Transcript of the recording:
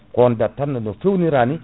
ko on date tan no ɗum fewnira ni